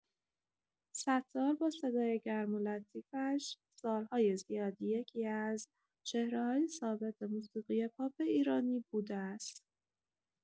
ستار با صدای گرم و لطیفش سال‌های زیادی یکی‌از چهره‌های ثابت موسیقی پاپ ایرانی بوده است.